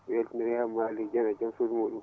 mi weltinirii heen Malick Dieng e jom suudu mu?um